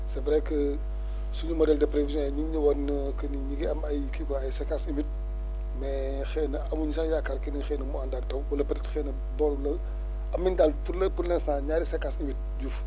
c' est vrai que suñu modèle de prévision yi mi ngi ñu wan que ni mi ngi am ay kii quoi ay sequences humides mais xëy na amuñu sax yaakaar que ni xëy na mu ànd ak taw wala peut être xëy na door na am nañ daal pour l' in pour l' instant ñaari séquences humides Diouf